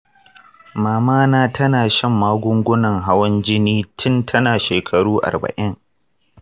mama na tana shan magungunan hawan jini tin tana shakaru arba'in.